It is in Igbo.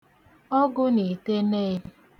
ọgụ̄ nà ìteneē